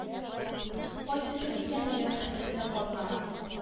Кайсы көн икәнлеге хәтеремдә калмаган